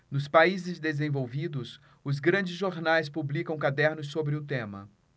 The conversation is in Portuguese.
nos países desenvolvidos os grandes jornais publicam cadernos sobre o tema